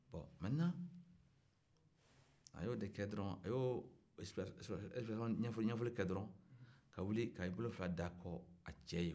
bon mɛntenan a y'o de kɛ dɔrɔn a y'o ɲɛfɔli kɛ dɔrɔn ka wili k'a bolo fila d'a ko a cɛ ye